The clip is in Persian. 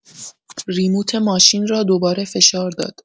ریموت ماشین را دوباره فشار داد.